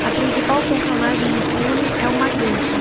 a principal personagem no filme é uma gueixa